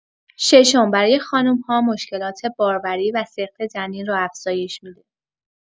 ششم، برای خانم‌ها مشکلات باروری و سقط‌جنین رو افزایش می‌ده.